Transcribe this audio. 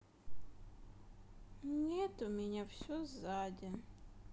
нет у меня все сзади